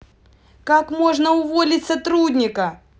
как можно уволить сотрудника